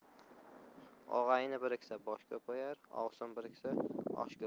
og'ayni biriksa bosh ko'payar ovsin biriksa osh ko'payar